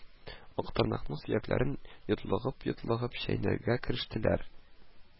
Актырнакның сөякләрен йотлыгып-йотлыгып чәйнәргә керештеләр